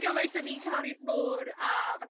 ...gymaint o'n i'n caru'r môr a fatha...